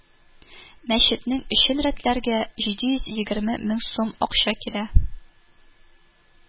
Мәчетнең эчен рәтләргә җиде йөз егерме мең сум акча кирә